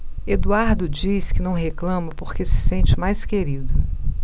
eduardo diz que não reclama porque se sente o mais querido